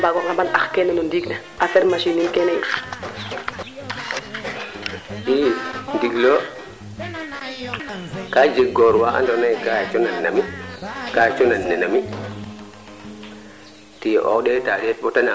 ndaa diwale roog deɓ ke o ngolo ngaana diwale o ngoolo ngene te deɓ to o kiin ande na roog tig caxana passer anga passer mat wiin we fop a laŋa mbe'ao leŋ ande na roog tig